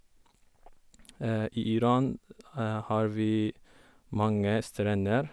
I Iran har vi mange strender.